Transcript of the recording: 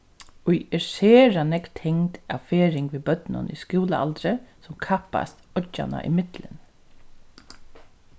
ið er sera nógv tengd av ferðing við børnum í skúlaaldri sum kappast oyggjanna ímillum